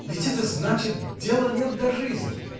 Ведь это значит дела нет до жизни!